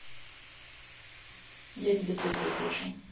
я тебе свет выключу